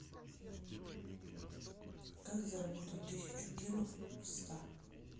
как заработать тысячу гемов в ста